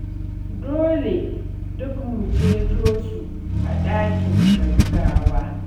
Dole duk mu ceto su a ɗakin gaggawa.